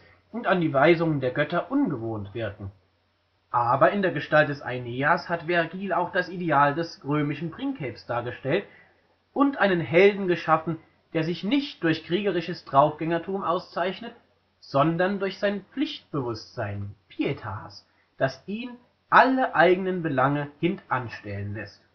und an die Weisungen der Götter ungewohnt wirken; aber in der Gestalt des Aeneas hat Vergil auch das Ideal des römischen Princeps dargestellt und einen Helden geschaffen, der sich nicht durch kriegerisches Draufgängertum auszeichnet, sondern durch sein Pflichtbewusstsein (pietas), das ihn alle eigenen Belange hintan stellen lässt